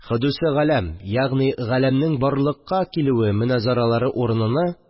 Хөдүсе галәм, ягъни галәмнең барлыкка килүе, моназарәләре урыныны